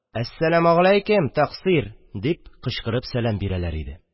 – әссәләмегаләйкем, тәкъсир! – дип, кычкырып сәләм бирәләр иде.